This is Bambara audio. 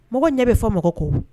Mɔgɔ ɲɛ bɛ fɔ mɔgɔ kɔ